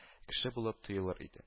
Кеше булып тоелыр иде